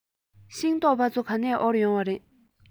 ཤིང ཏོག ཕ ཚོ ག ནས དབོར ཡོང བ རེད